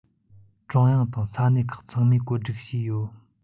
ཀྲུང དབྱང དང ས གནས ཁག ཚང མས བཀོད སྒྲིག བྱས ཡོད